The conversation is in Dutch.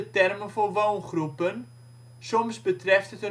termen voor woongroepen, soms betreft